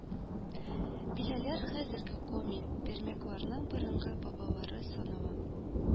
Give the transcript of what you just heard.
Биләләр хәзерге коми-пермякларның борынгы бабалары санала